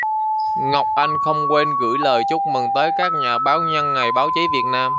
ngọc anh không quên gửi lời chúc mừng tới các nhà báo nhân ngày báo chí việt nam